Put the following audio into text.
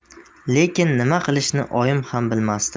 lekin nima qilishni oyim ham bilmasdi